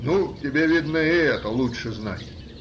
— Ну, тебе, видно, и это лучше знать.